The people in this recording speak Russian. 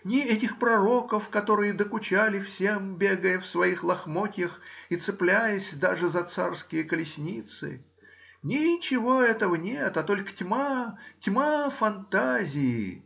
ни этих пророков, которые докучали всем, бегая в своих лохмотьях и цепляясь даже за царские колесницы,— ничего этого нет, а только тьма. тьма фантазии.